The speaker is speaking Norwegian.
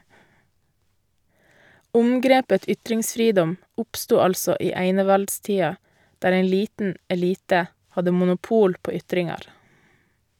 Omgrepet ytringsfridom oppstod altså i einevaldstida, der ein liten elite hadde monopol på ytringar.